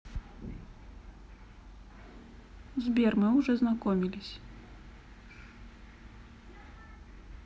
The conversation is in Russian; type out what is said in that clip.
сбер мы уже знакомились